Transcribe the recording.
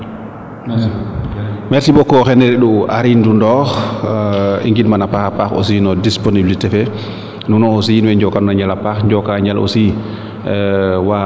merci beaucoup o xeene rend u Henry Ndoundokh i ngind man a paax paax aussi no disponiblité fee nuuno aussi in way njoka nuun a njal a paax njoka njal aussi waa